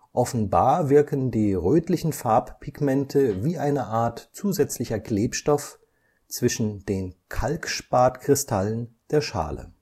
Offenbar wirken die rötlichen Farbpigmente wie eine Art zusätzlicher Klebstoff zwischen den Kalkspat-Kristallen der Schale